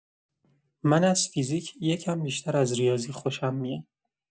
من از فیزیک یه کم بیشتر از ریاضی خوشم میاد.